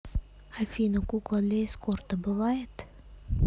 афина кукла для эскорта бывает